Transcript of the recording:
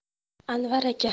anvar aka